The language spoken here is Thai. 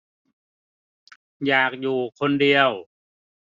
อยากอยู่คนเดียว